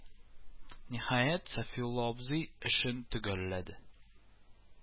Ниһаять, Сафиулла абзый эшен төгәлләде